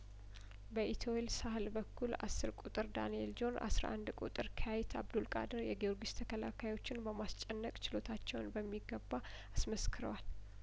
በኢቶይል ሳህል በኩል አስር ቁጥር ዳንኤል ጆን አስራ አንድ ቁጥሩ ካይት አብዱል ቃድር የጊዮርጊስ ተከላካዮችን በማስጨነቅ ችሎታቸውን በሚገባ አስመስክረዋል